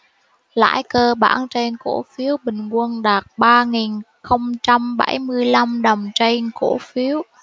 lãi cơ bản trên cổ phiếu bình quân đạt ba nghìn không trăm bảy mươi lăm đồng trên cổ phiếu